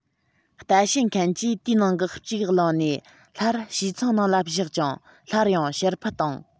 ལྟ དཔྱད མཁན གྱིས དེའི ནང གི གཅིག བླངས ནས སླར བྱེའུ ཚང ནང ལ བཞག ཀྱང སླར ཡང ཕྱིར ཕུད བཏང